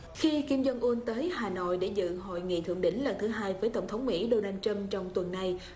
khi kim rong un tới hà nội để dự hội nghị thượng đỉnh lần thứ hai với tổng thống mỹ đô nờ trăm trong tuần này